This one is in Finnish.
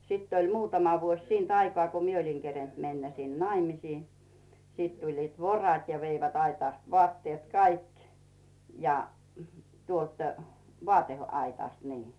sitten oli muutama vuosi siitä aikaa kun minä olin kerinnyt mennä sinne naimisiin sitten tulivat vorot ja veivät aitasta vaatteet kaikki ja tuolta vaateaitasta niin